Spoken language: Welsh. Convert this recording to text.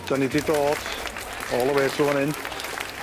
'Dan ni di dod all the way to wan 'yn.